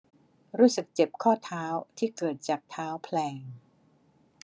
รู้สึกเจ็บข้อเท้าที่เกิดจากเท้าแพลง